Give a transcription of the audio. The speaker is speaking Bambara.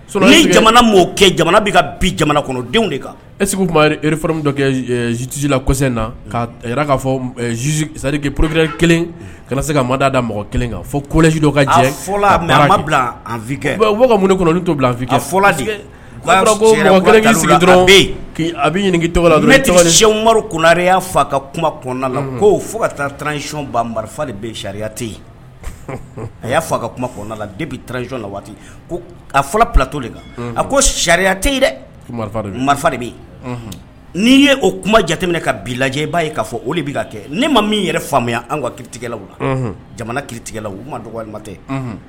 Kɛ jamana bɛ jamanadenw de kan etsila in na k'a fɔ poro ka na se ka mada da mɔgɔ kelen kan fo kosi ka jɛ kɔnɔ to dɔrɔn a bɛ ɲini tɔgɔ lamaru kore fa ka kuma la ko fo ka taacɔn marifa de bɛ sariya tɛ yen a y' fa ka kuma la de bicɔn la waati fɔlɔ ptɔ de kan a ko sariya tɛ yen dɛ marifa de bɛ n'i y ye o kuma jateminɛ ka bila lajɛ i b'a ka fɔ o de bɛ kɛ ne ma min yɛrɛ faamuyaya an kitigɛlaw la jamana kitilaw u ma dɔgɔma tɛ